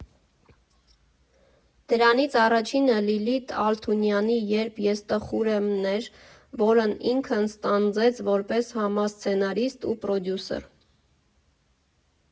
Դրանցից առաջինը Լիլիթ Ալթունյանի «Երբ ես տխուր եմ»֊ն էր, որն ինքը ստանձնեց որպես համասցենարիստ ու պրոդյուսեր։